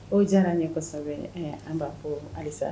O diyara ye kɔsɔ an b'a fɔ ayisa